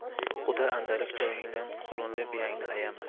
quda andalik joyingdan qulunli biyangni ayama